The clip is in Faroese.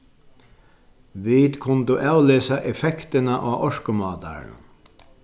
vit kundu avlesa effektina á orkumátaranum